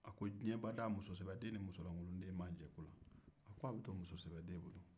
a ko diɲɛ bada musosɛbɛ den ni musokolonden mana jɛ ko a bɛ to musosɛbɛden bolo